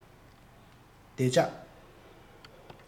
བདེ འཇགས